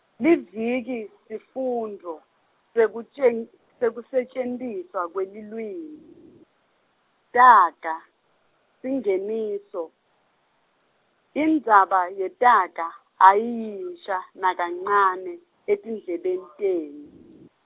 Liviki, sifundvo, sekutjen- sekusetjentiswa kwelulwimi, taga, singeniso, indzaba yetaga, ayiyinsha, nakancane, etindlebeni tenu.